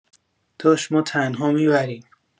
داش ما تنها می‌بریم